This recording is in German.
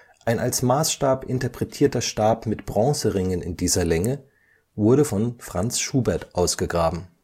Ein als Maßstab interpretierter Stab mit Bronzeringen in dieser Länge wurde von Franz Schubert ausgegraben